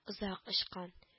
Озак очкан